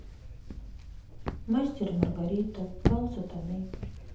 мастер и маргарита бал сатаны